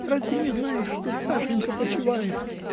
разве не знаешь, что Сашенька почивает?